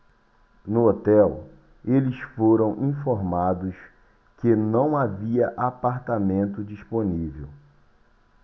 no hotel eles foram informados que não havia apartamento disponível